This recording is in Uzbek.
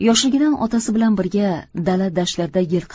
yoshligidan otasi bilan birga dala dashtlarda yilqi